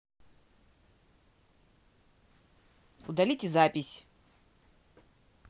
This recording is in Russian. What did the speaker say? удалите запись